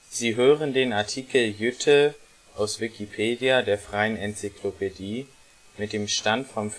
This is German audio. Sie hören den Artikel Jytte, aus Wikipedia, der freien Enzyklopädie. Mit dem Stand vom